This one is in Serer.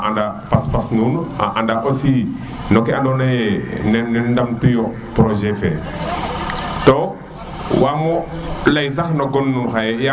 a anda pas pas nuun a anda aussi noke ando naye nen ndam tuyu projet fe to wama ley sax no gon nuun xaye